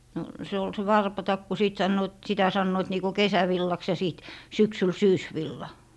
no se oli se varpatakku sitten sanovat sitä sanoivat niin kuin kesävillaksi ja sitten syksyllä syysvilla